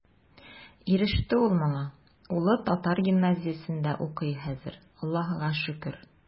Иреште ул моңа, улы татар гимназиясендә укый хәзер, Аллаһыга шөкер.